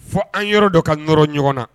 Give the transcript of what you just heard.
Fɔ an yɔrɔ dɔ ka yɔrɔ ɲɔgɔn na